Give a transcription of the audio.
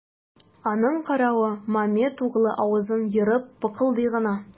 Аның каравы, Мамед углы авызын ерып быкылдый гына.